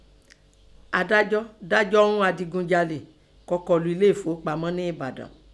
Adájọ́ dájọ́ ún adigunjalè kọ́ kọlu elé ẹfoópamọ́ nẹ Ẹ̀bàdàn.